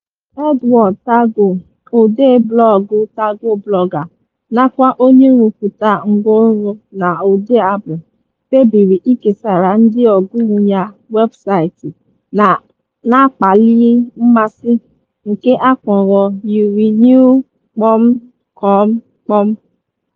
N'ikpeazụ, Edward Tagoe, odee blọọgụ Tagoe Blogger nakwa onye nrụpụta ngwanrọ-na-odee abụ, kpebiri ikesara ndị ọgụụ ya webụsaịtị na-akpalị mmasị nke a kpọrọ YOURENEW.COM.